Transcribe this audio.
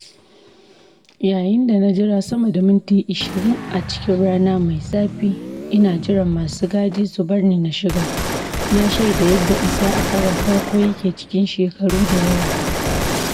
Yayin da na jira sama da minti 20 a cikin rana mai zafi ina jiran masu gadi su bar ni shiga, na shaida yadda isa a karon farko yake cikin shekaru da yawa.